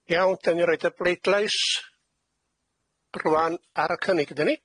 Iawn, 'dan ni roid y bleidlais rŵan ar y cynnig, ydan ni?